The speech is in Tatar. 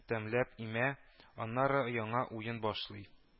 Тәмләп имә, аннары яңа уен башлый